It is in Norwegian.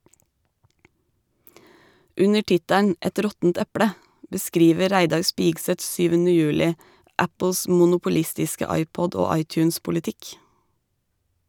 Under tittelen "Et råttent eple" beskriver Reidar Spigseth 7. juli Apples monopolistiske iPod- og iTunes-politikk.